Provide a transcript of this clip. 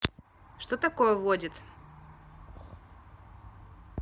что такое водит